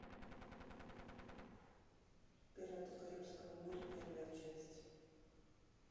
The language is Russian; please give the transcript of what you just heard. пираты карибского моря первая часть